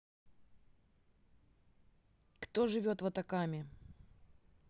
кто живет в атакаме